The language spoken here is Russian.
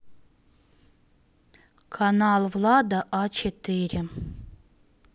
канал влада а четыре